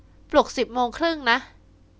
ปลุกสิบโมงครึ่งนะ